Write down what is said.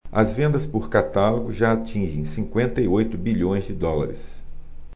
as vendas por catálogo já atingem cinquenta e oito bilhões de dólares